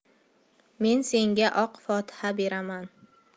men senga oq fotiha beraman